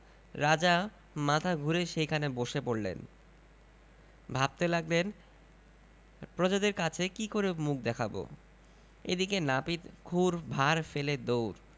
রাজা মাথা ঘুরে সেইখানে বসে পড়লেন ভাবতে লাগলেন প্রজাদের কাছে কী করে মুখ দেখাব এদিকে নাপিত ক্ষুর ভাঁড় ফেলে দৌড়